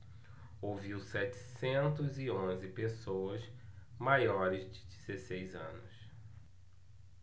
ouviu setecentos e onze pessoas maiores de dezesseis anos